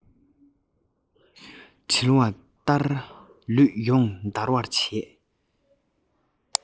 འགྲིལ བ ལྟར ལུས ཡོངས འདར བར བྱས